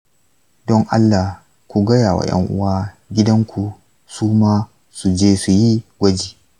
don allah ku gaya wa ’yan uwan gidanku su ma su je su yi gwaji.